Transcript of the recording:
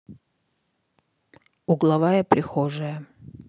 угловая прихожая